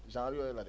genre yooyu la de